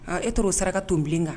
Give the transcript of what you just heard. E t'o saraka to bilen kan